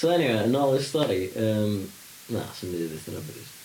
So, eniwe, yn ôl i'r stori yym na, sdim byd byth yn obvious.